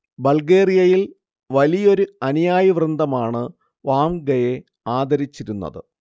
ബൾഗേറിയയിൽ വലിയൊരു അനുയായി വൃന്ദമാണ് വാംഗയെ ആദരിച്ചിരുന്നത്